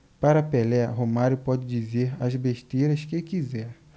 para pelé romário pode dizer as besteiras que quiser